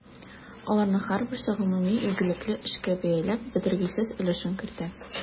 Аларның һәрберсе гомуми игелекле эшкә бәяләп бетергесез өлешен кертә.